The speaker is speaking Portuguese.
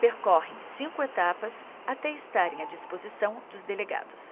percorrem cinco etapas até estarem à disposição dos delegados